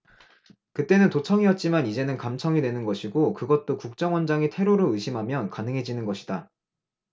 그 때는 도청이었지만 이제는 감청이 되는 것이고 그것도 국정원장이 테러로 의심하면 가능해지는 것이다